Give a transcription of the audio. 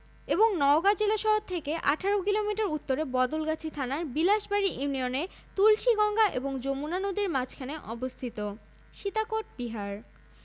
এবং নওগাঁ জেলাশহর থেকে ১৮ কিলোমিটার উত্তরে বদলগাছি থানার বিলাসবাড়ি ইউনিয়নে তুলসীগঙ্গা এবং যমুনা নদীর মাঝখানে অবস্থিত সীতাকোট বিহার